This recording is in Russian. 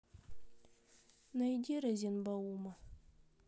найди розенбаума